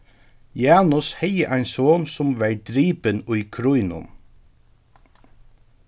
janus hevði ein son sum varð dripin í krígnum